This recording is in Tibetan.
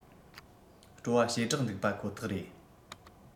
སྤྲོ བ ཞེ དྲག འདུག པ ཁོ ཐག རེད